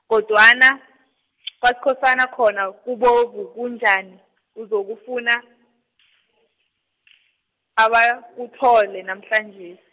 kodwana, kwaSkhosana khona kubovu kunjani, uzokufuna , abakuthole namhlanje.